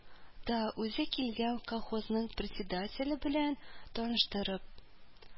Та үзе килгән колхозның председателе белән таныштырып